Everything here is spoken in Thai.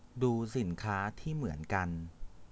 ดูสินค้าที่เหมือนกัน